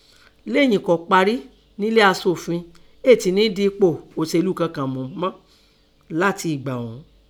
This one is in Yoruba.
Léyìn kọ́ parí nẹ́lé aṣòfi ê tínì di ẹpò òṣèlú kankàn mú mọ́ látin ẹgbà ọ̀ún.